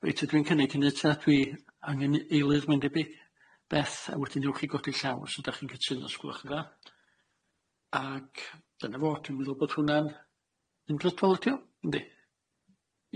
Reit ydw i'n cynnig hyny ta. Dwi angen eilydd mae'n debyg. Beth. A wedyn newch i godi llaw os ydach chi'n cytuno s'gwylwch yn dda, ag dyna fo dwi'n meddwl bod hwnna'n yn unfyfrydol ydi? Yndi.